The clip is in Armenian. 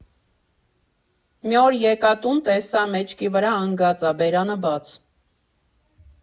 Մի օր եկա տուն, տեսա՝ մեջքի վրա ընգած ա, բերանը՝ բաց…